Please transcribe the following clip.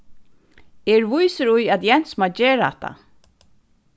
eg eri vísur í at jens má gera hatta